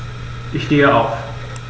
Ich stehe auf.